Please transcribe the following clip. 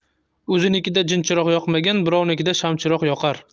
o'zinikida jinchiroq yoqmagan birovnikida shamchiroq yoqar